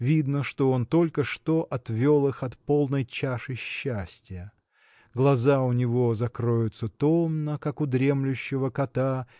видно, что он только что отвел их от полной чаши счастия. Глаза у него закроются томно как у дремлющего кота